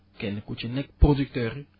kenn ku ci nekk producteurs yi